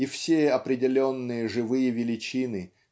и все определенные живые величины